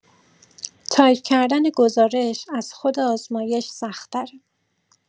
تایپ کردن گزارش از خود آزمایش سخت‌تره